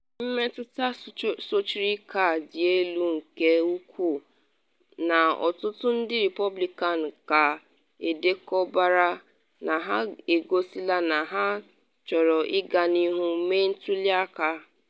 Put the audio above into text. Mmetụta sochiri nke a dị elu nke ukwuu, na ọtụtụ ndị Repọblikan ka edekọbara na ha egosila na ha chọrọ ịga n’ihu mee ntuli aka.